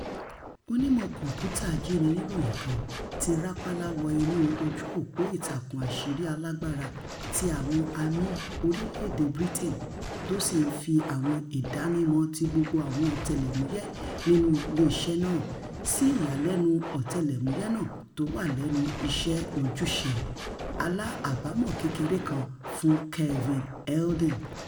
Onímọ-kọ̀m̀pútà ajíniníròyìn kan ti rápálá wọ inú oju-òpó ìtàkùn àṣírí-alágbára ti àwọn amì orílẹ̀-èdè Britain, tó sì ńfi àwọn ìdánimọ̀ tí gbogbo àwọn ọ̀tẹlẹ̀múyẹ nínú iṣẹ́ náà, sí ìyàlẹ́nu ọ̀tẹlẹ̀múyẹ náà tówà lẹ́nu iṣẹ́ - ojúṣe aláàbámọ̀ kékeré kan fún Kevin Eldon.